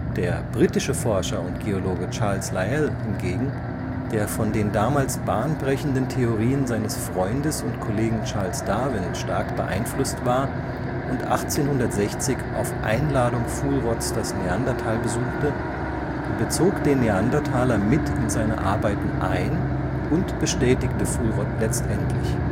Der britische Forscher und Geologe Charles Lyell hingegen, der von den damals bahnbrechenden Theorien seines Freundes und Kollegen Charles Darwin stark beeinflusst war und 1860 auf Einladung Fuhlrotts das Neandertal besuchte, bezog den Neandertaler mit in seine Arbeiten ein und bestätigte Fuhlrott letztendlich